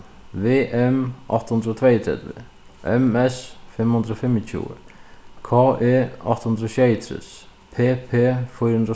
v m átta hundrað og tveyogtretivu m s fimm hundrað og fimmogtjúgu k e átta hundrað og sjeyogtrýss p p fýra hundrað og